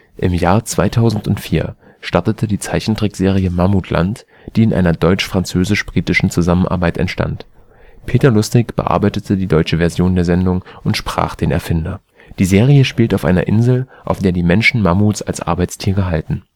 Im Jahr 2004 startete die Zeichentrickserie Mammutland, die in einer deutsch-französisch-britischen Zusammenarbeit entstand. Peter Lustig bearbeitete die deutsche Version der Sendung und sprach den Erfinder. Die Serie spielt auf einer Insel, auf der die Menschen Mammuts als Arbeitstiere halten